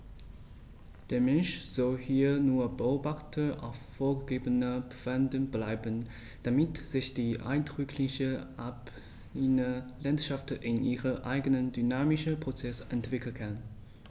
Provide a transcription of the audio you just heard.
Der Mensch soll hier nur Beobachter auf vorgegebenen Pfaden bleiben, damit sich die eindrückliche alpine Landschaft in ihren eigenen dynamischen Prozessen entwickeln kann.